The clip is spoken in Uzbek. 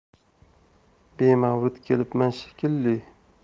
bemavrid kelibman shekilli